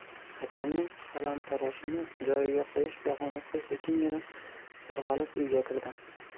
akamning qalamtaroshini joyiga qo'yish bahonasida sekingina sirg'alib uyga kirdim